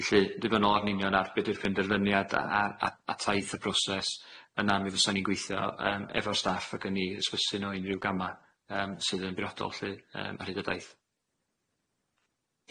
Felly, yn ddibynnol yn union ar be 'di'r penderfyniad a a a taith y proses, yna mi fysan i'n gweithio yym efo'r staff ag yn i 'sbysu nhw o unrhyw gama' yym sydd yn briodol lly yym ar hyd y daith.